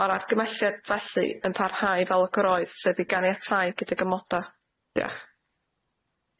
Ma'r argymelliad felly yn parhau fel y gyroedd sef i ganiatáu gydag ymoda'. Diolch.